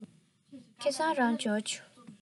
ཁ སང རང འབྱོར བྱུང